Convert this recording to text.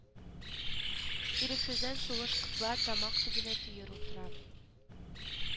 Ирексездән сулыш кысыла тамак төбенә төер утыра